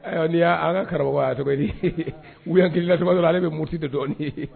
Ayiwa, nin y'an ka karamɔgɔ ye, a kɛ dɔɔni, tumadɔw la al muriiti ten dɔɔni